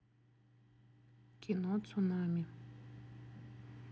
кино цунами